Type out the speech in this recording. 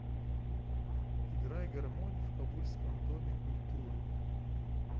играй гармонь в кабульском доме культуры